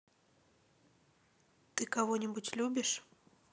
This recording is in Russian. ты кого нибудь любишь